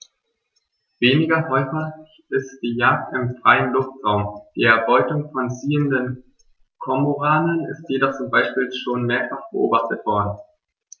Weniger häufig ist die Jagd im freien Luftraum; die Erbeutung von ziehenden Kormoranen ist jedoch zum Beispiel schon mehrfach beobachtet worden.